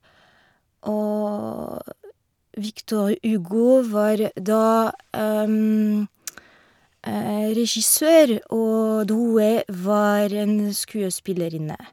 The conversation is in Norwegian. Og Victor Hugo var da regissør, og Drouet var en skuespillerinne.